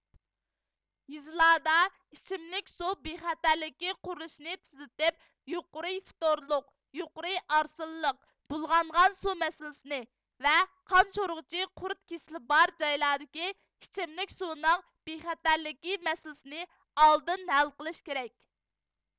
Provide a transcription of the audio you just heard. يېزىلاردا ئىچىملىك سۇ بىخەتەرلىكى قۇرۇلۇشىنى تېزلىتىپ يۇقىرى فتورلۇق يۇقىرى ئارسنلىق بۇلغانغان سۇ مەسىلىسىنى ۋە قان شورىغۇچ قۇرت كېسىلى بار جايلاردىكى ئىچىملىك سۇنىڭ بىخەتەرلىكى مەسىلىسىنى ئالدىن ھەل قىلىش كېرەك